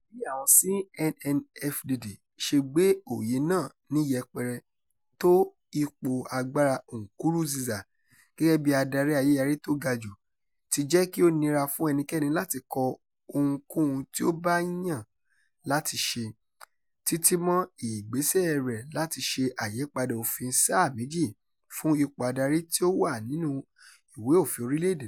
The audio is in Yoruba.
Bí àwọn CNN-FDD ṣe gbé oyè náà ní yẹpẹrẹ tó ipò agbára Nkurunziza gẹ́gẹ́ bí "adarí ayérayé tó ga jù" ti jẹ́ kí ó nira fún ẹnikẹ́ni láti kọ ohunkóhun tí ó bá yàn láti ṣe, títí mọ́ ìgbésẹ̀ rẹ̀ láti ṣe àyípadà òfin sáà méjì fún ipò adarí tí ó wà nínú ìwé òfin orílẹ̀-èdè náà.